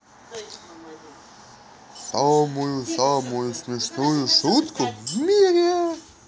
самую самую смешную шутку в мире